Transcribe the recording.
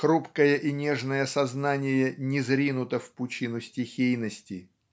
Хрупкое и нежное сознание низринуто в пучину стихийности.